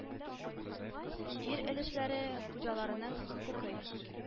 Ир өлешләре хуҗаларының хокукый